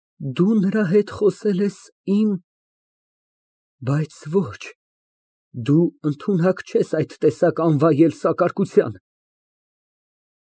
Դու նրա հետ խոսել ես իմ… Բայց ոչ, դու ընդունակ չես այդ տեսակ անվայել սակարկության։